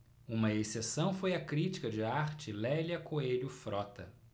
uma exceção foi a crítica de arte lélia coelho frota